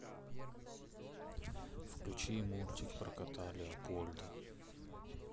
включи мультик про кота леопольда